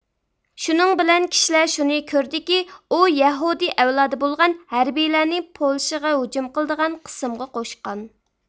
شۇنىڭ بىلەن كىشىلەر شۇنى كۆردىكى ئۇ يەھۇدىي ئەۋلادى بولغان ھەربىيلەرنى پولشىغا ھۇجۇم قىلىدىغان قىسىمغا قوشقان